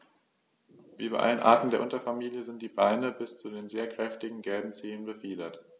Wie bei allen Arten der Unterfamilie sind die Beine bis zu den sehr kräftigen gelben Zehen befiedert.